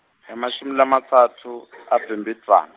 e mashumi lamatsatfu a Bhimbidvwane.